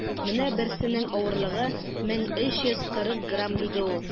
- менә берсенең авырлыгы 1340 грамм, - диде ул.